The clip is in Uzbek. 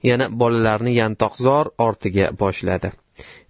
yana bolalarini yantoqzor ortiga boshladi